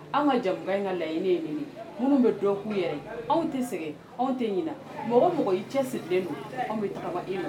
Anw ka jamukan in ka laɲini ye ni de ye, minnu bɛ dɔn k'u yɛrɛ ye, anw tɛ sɛgɛn, anw tɛ ɲina mɔgɔ o mɔgɔ i cɛsirilen don anw bɛ tagama i nɔ fɛ.